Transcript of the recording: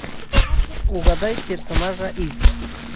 угадай персонажа из